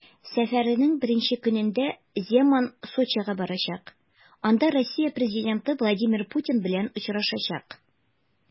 Сәфәренең беренче көнендә Земан Сочига барачак, анда Россия президенты Владимир Путин белән очрашачак.